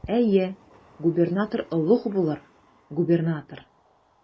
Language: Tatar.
Әйе, губернатор олуг булыр, губернатор.